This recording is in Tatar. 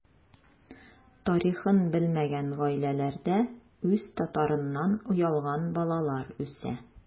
Тарихын белмәгән гаиләләрдә үз татарыннан оялган балалар үсә.